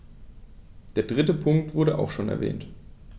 Der dritte Punkt wurde auch schon erwähnt.